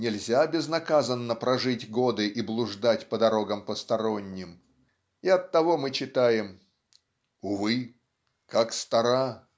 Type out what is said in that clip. нельзя безнаказанно прожить годы и блуждать по дорогам посторонним. И оттого мы читаем: . Увы как стара